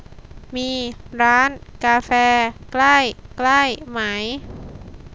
มีร้านกาแฟใกล้ใกล้ไหม